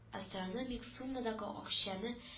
Астрономик суммадагы акчаны